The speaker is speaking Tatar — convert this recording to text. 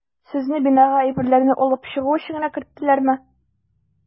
Сезне бинага әйберләрне алып чыгу өчен генә керттеләрме?